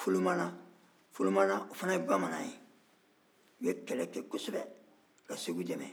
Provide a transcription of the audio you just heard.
folomana o fana ye bamanan ye u ye kɛlɛ kɛ kosɛbɛ ka segu dɛmɛ